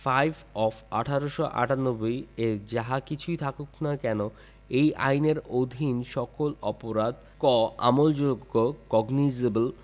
five of ১৮৯৮ এ যাহা কিছুই থাকুক না কেন এই আইনের অধীন সকল অপরাধঃ ক আমলযোগ্য কগনিযেবল